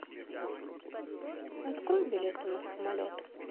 открой билеты на самолет